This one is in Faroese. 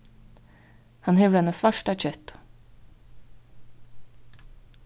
hann hevur eina svarta kettu